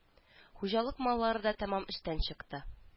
Хуҗалык маллары да тәмам эштән чыкты